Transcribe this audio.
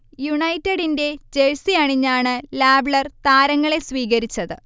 യുണൈറ്റഡിന്റെ ജഴ്സി അണിഞ്ഞാണ് ലാവ്ലെർ താരങ്ങളെ സ്വീകരിച്ചത്